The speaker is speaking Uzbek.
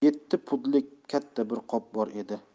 yetti pudlik katta bir qop bor edi